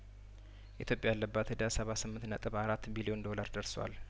ኢትዮጵያ ያለባት እዳሰባ ስምንት ነጥብ አራት ቢሊዮን ዶላር ደርሷል